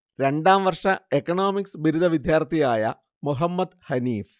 രണ്ടാംവർഷ economics ബിരുദ വിദ്യാർത്ഥിയായ മുഹമ്മദ് ഹനീഫ്